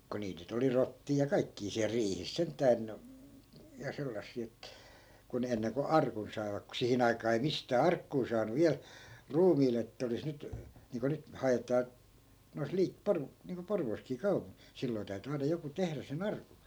kun niitä nyt oli rottia ja kaikkia siellä riihissä sentään ja sellaisia että kun ne ennen kuin arkun saivat kun siihen aikaan ei mistään arkkua saanut vielä ruumiille että olisi nyt niin kuin nyt haetaan noissa -- niin kuin Porvoossakin - silloin täytyi aina joku tehdä sen arkun